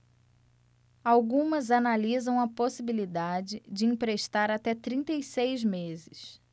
algumas analisam a possibilidade de emprestar até trinta e seis meses